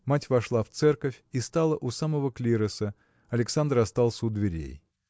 Мать вошла в церковь и стала у самого клироса Александр остался у дверей.